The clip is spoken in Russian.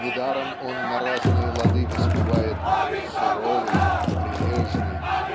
Недаром он на разные лады воспевает "суровый прилежный